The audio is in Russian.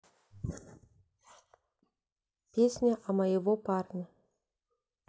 песня о моего парня